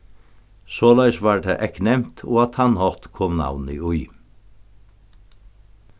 soleiðis varð tað eyknevnt og á tann hátt kom navnið í